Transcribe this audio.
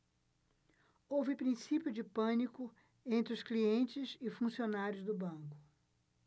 houve princípio de pânico entre os clientes e funcionários do banco